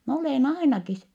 minä olen ainakin